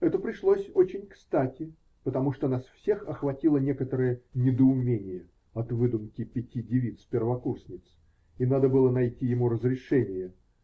Это пришлось очень кстати, потому что нас всех охватило некоторое недоумение от выдумки пяти девиц-первокурсниц, и надо было найти ему разрешение.